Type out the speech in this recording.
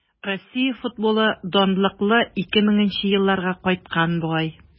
Россия футболы данлыклы 2000 нче елларга кайткан бугай.